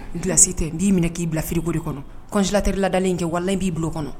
Glace tɛ n b'i minɛ k'i bila frigo de kɔnɔ congélateur ladalen in tɛ walahi n b'i bila o kɔnɔ.